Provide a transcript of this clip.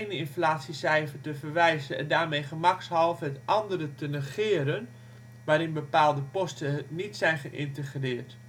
inflatiecijfer te verwijzen en daarmee gemakshalve het andere te vergeten, waarin bepaalde posten niet zijn geïntegreerd